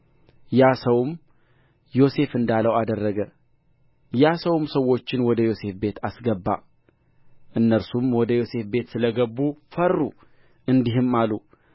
ያ ሰውም ዮሴፍ እንዳለው አደረገ ያ ሰውም ሰዎቹን ወደ ዮሴፍ ቤት አስገባ እነርሱም ወደ ዮሴፍ ቤት ስለ ገቡ ፈሩ እንዲህም አሉ